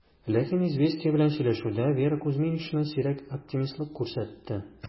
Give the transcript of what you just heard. Ләкин "Известия" белән сөйләшүдә Вера Кузьминична сирәк оптимистлык күрсәтте: